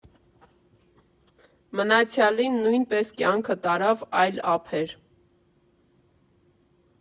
Մնացյալին նույնպես կյանքը տարավ այլ ափեր։